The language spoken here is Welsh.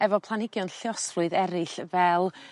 efo planhigion lluosflwydd eryll fel